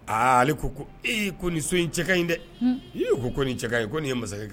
Aa! ale ko ko ee ko nin so in cɛ kaɲi dɛ. Un. Hi ko ko nin cɛ kaɲi. Ko nin ye masakɛ